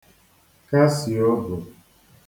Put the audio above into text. kasī ōbù